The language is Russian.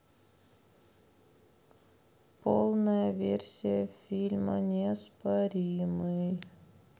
полная версия фильма неоспоримый